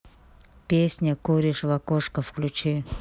песня куришь в окошко включи